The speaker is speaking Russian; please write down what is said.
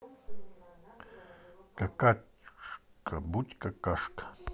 какашка будь какашка